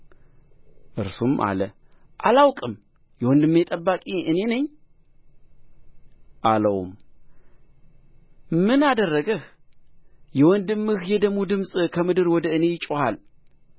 እርሱም አለ አላውቅም የወንድሜ ጠባቂው እኔ ነኝን አለውም ምን አደረግህ የወንድምህ የደሙ ድምፅ ከምድር ወደ እኔ ይጮኻል